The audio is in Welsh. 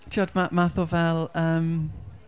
Timod ma- math o fel yym...